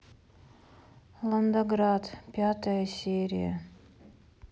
лондонград пятая серия